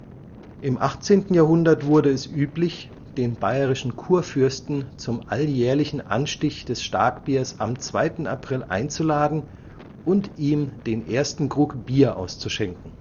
Im 18. Jahrhundert wurde es üblich, den bayerischen Kurfürsten zum alljährlichen Anstich des Starkbiers am 2. April einzuladen und ihm den ersten Krug Bier auszuschenken